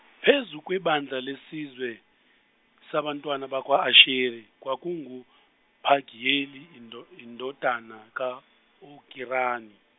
phezu kwebandla lesizwe sabantwana bakwa-Asheri, kwakunguPagiyeli indo- indodana ka-Okirani.